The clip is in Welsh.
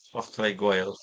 ochrau gwael.